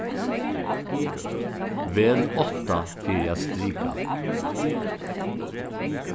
vel átta fyri at strika